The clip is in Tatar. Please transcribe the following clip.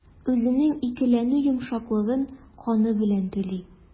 Үзенең икеләнү йомшаклыгын каны белән түли.